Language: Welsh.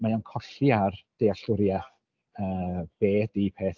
Mae o'n colli ar dealltwriaeth yy be ydy peth.